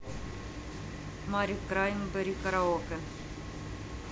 мари краймбрери караоке